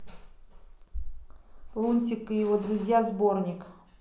лунтик и его друзья сборник